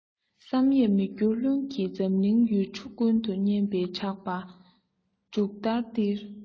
བསམ ཡས མི འགྱུར ལྷུན གྱིས འཛམ གླིང ཡུལ གྲུ ཀུན ཏུ སྙན པའི གྲགས པ འབྲུག ལྟར ལྡིར